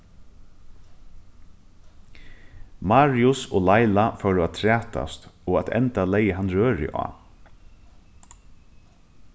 marius og laila fóru at trætast og at enda legði hann rørið á